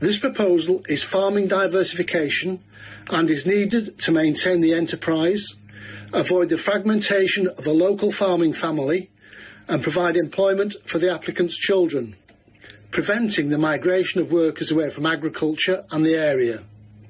This proposal is farming diversification and is needed to maintain the enterprise, avoid the fragmentation of a local farming family, and provide employment for the applicant's children, preventing the migration of workers away from agriculture and the area.